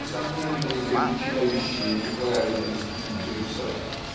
несомненно изобличающие неправильный стиль Брюсова